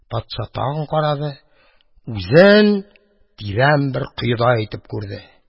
Патша тагын карады, үзен тирән бер коеда итеп күрде.